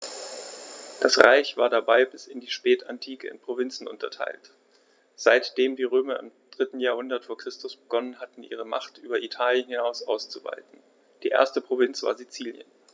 Das Reich war dabei bis in die Spätantike in Provinzen unterteilt, seitdem die Römer im 3. Jahrhundert vor Christus begonnen hatten, ihre Macht über Italien hinaus auszuweiten (die erste Provinz war Sizilien).